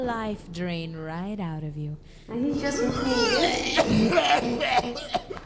а еще смешнее есть